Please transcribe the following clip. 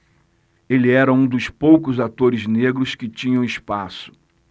ele era um dos poucos atores negros que tinham espaço